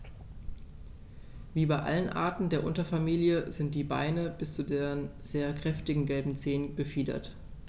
Wie bei allen Arten der Unterfamilie sind die Beine bis zu den sehr kräftigen gelben Zehen befiedert.